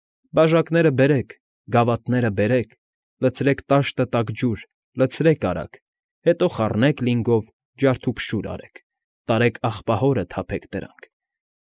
Բաժակները բերեք, գավաթները բերեք, Լցրեք տաշտը տաք ջուր, լցրեք արագ, Հետո խառնեք լինգով, ջարդափշուր արեք, Տարեք աղբահորը թափեք դրանք։